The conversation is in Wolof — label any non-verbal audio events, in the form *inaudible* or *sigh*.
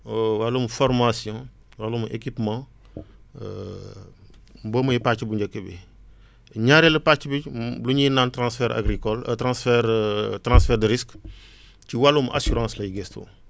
*hesitation* wàllum formation wàllum équipement *noise* *hesitation* boobu mooy pàcc bu njëkk bi *breath* ñaareelu pàcc bi mu lu ñuy naan transfert agricol et transfert *hesitation* transfert de risque *breath* ci wàllum assurance lay gëstoo